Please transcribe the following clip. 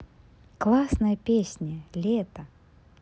классная песня лето